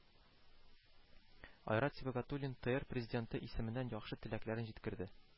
Айрат Сибагәтуллин ТР Президенты исеменнән яхшы теләкләрен җиткерде